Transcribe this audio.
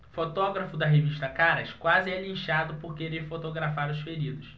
fotógrafo da revista caras quase é linchado por querer fotografar os feridos